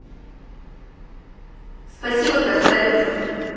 спасибо красавица